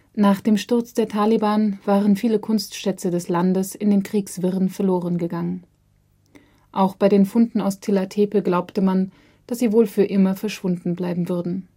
Nach dem Sturz der Taliban waren viele Kunstschätze des Landes in den Kriegswirren verloren gegangen. Auch bei den Funden aus Tilla Tepe glaubte man, dass sie wohl für immer verschwunden bleiben würden